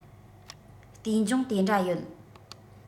ལྟོས འབྱུང དེ འདྲ ཡོད